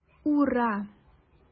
Ура!